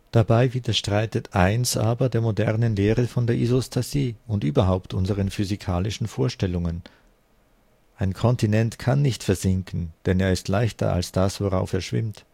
Dabei widerstreitet 1) aber der modernen Lehre von der Isostasie und überhaupt unseren physikalischen Vorstellungen. Ein Kontinent kann nicht versinken, denn er ist leichter als das, worauf er schwimmt